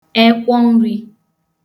ẹkwọ nrī